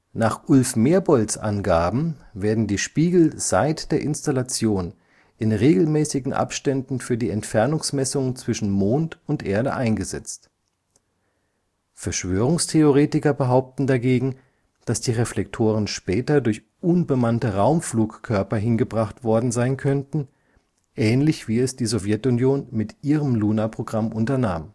Nach Ulf Merbolds Angaben werden die Spiegel seit der Installation in regelmäßigen Abständen für die Entfernungsmessung zwischen Mond und Erde eingesetzt. Verschwörungstheoretiker behaupten dagegen, dass die Reflektoren später durch unbemannte Raumflugkörper hingebracht worden sein könnten, ähnlich wie es die Sowjetunion mit ihrem Luna-Programm unternahm